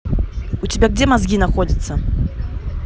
у тебя где мозги находятся